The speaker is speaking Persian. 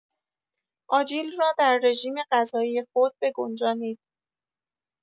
آجیل را در رژیم‌غذایی خود بگنجانید.